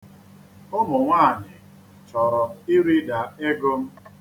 Ụmụnwaanyị chọrọ irida ego m.